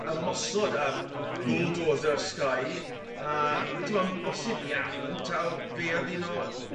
ymosod ar bulldozer Sky a we- t'mod bosib iawn taw fe odd un o